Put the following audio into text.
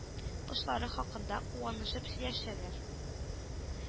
Кошлары хакында куанышып сөйләшәләр,